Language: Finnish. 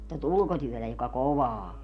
tätä ulkotyötä joka kovaa on